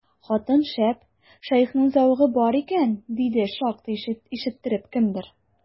Хатын шәп, шәехнең зәвыгы бар икән, диде шактый ишеттереп кемдер.